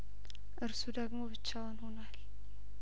እርሱ ደግሞ ብቻውን ሆኗል